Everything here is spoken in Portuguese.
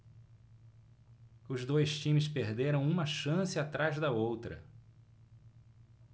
os dois times perderam uma chance atrás da outra